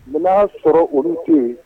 N y'a sɔrɔ olu tɛ yen